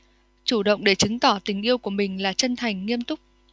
chủ động để chứng tỏ tình yêu của mình là chân thành nghiêm túc